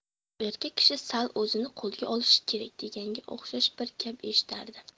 erkak kishi sal o'zini qo'lga olishi kerak deganga o'xshash bir gap eshitardi